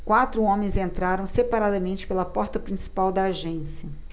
quatro homens entraram separadamente pela porta principal da agência